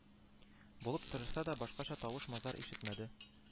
Булып тырышса да, башкача тавыш-мазар ишетмәде